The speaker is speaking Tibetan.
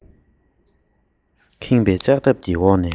ཁེངས པའི ལྕགས ཐབ འོག ནས